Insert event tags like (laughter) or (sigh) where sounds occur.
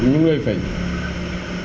ñu ngi lay fay (noise)